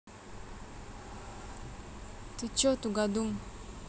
ты че тугадум